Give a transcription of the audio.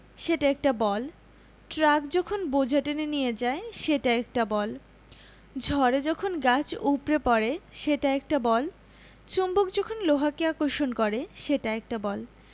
সেটা একটা বল ট্রাক যখন বোঝা টেনে নিয়ে যায় সেটা একটা বল ঝড়ে যখন গাছ উপড়ে পড়ে সেটা একটা বল চুম্বক যখন লোহাকে আকর্ষণ করে সেটা একটা বল